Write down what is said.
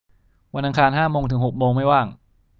วันอังคารห้าโมงถึงหกโมงไม่ว่าง